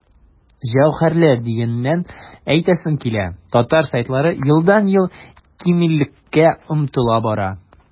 Җәүһәрләр дигәннән, әйтәсем килә, татар сайтлары елдан-ел камиллеккә омтыла бара.